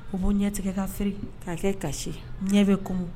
U' ɲɛtigɛ ka feere k ka kɛ kasi ɲɛ bɛ kunun